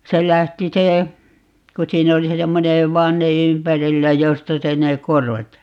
se lähti se kun siinä oli se semmoinen vanne ympärillä josta se ne korvat